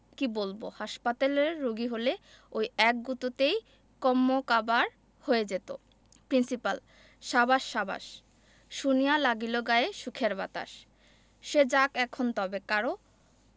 কি বলব হাসপাতালের রোগী হলে ঐ এক গুঁতোতেই কন্মকাবার হয়ে যেত প্রিন্সিপাল সাবাস সাবাস শুনিয়া লাগিল গায়ে সুখের বাতাস সে যাক এখন তবে কারো